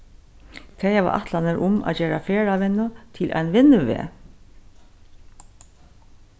tey hava ætlanir um at gera ferðavinnu til ein vinnuveg